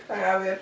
da ngaa wér